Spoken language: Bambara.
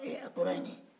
a kɔrɔ ye nin ye